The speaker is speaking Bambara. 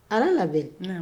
Ala labɛn